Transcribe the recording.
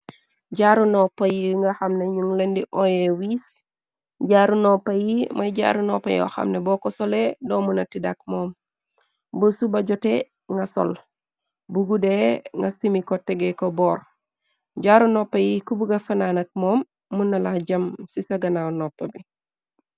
Jaaru noppa yi nga xamne nju lendi oryeh wis, moiy jaaru noppa yor xamne bokor soleh dor munah teda ak mom, bu suba joteh nga sol, bu gudae nga simi kor tehgeh ko bohrre, jaaru noppa yi ku buga fanaan ak mom, mun nala jam ci ca ganaw noppa bi.